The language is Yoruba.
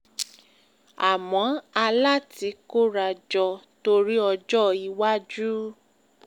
Àmọ́ a láti kórajọ torí ọjọ́-iwájú.”